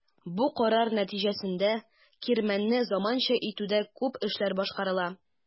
Бу карар нәтиҗәсендә кирмәнне заманча итүдә күп эшләр башкарыла.